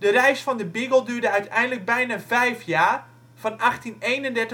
reis van de Beagle duurde uiteindelijk bijna vijf jaar, van 1831-1836